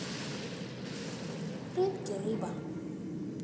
рыбки рыба